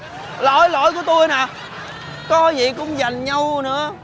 lỗi lỗi của tôi nà có dị cũng dành nhau nữa